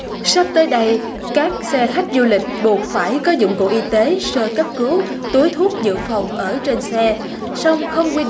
sắp tới đây các xe khách du lịch buộc phải có dụng cụ y tế sơ cấp cứu túi thuốc dự phòng ở trên xe song không quy